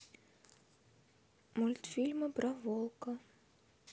мультфильмы про волка